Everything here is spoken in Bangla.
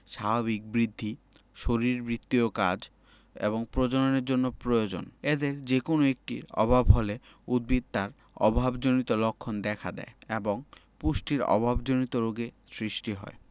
স্বাভাবিক বৃদ্ধি শরীরবৃত্তীয় কাজ এবং প্রজননের জন্য প্রয়োজন এদের যেকোনো একটির অভাব হলে উদ্ভিদে তার অভাবজনিত লক্ষণ দেখা দেয় এবং পুষ্টির অভাবজনিত রোগের সৃষ্টি হয়